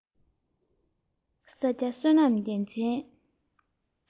ས སྐྱ བསོད ནམས རྒྱལ མཚན